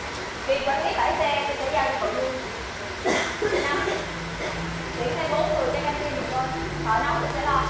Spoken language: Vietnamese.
việc quản lý bãi xe tôi sẽ giao cho cậu vui anh năm tuyển thêm bốn người cho căng tin giùm tôi thợ nấu tôi sẽ lo